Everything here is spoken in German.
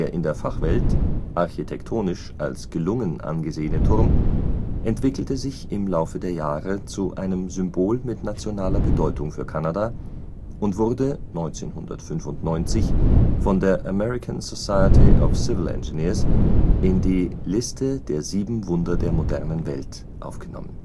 in der Fachwelt architektonisch als gelungen angesehene Turm entwickelte sich im Laufe der Jahre zu einem Symbol mit nationaler Bedeutung für Kanada und wurde 1995 von der American Society of Civil Engineers in die Liste der Sieben Wunder der modernen Welt aufgenommen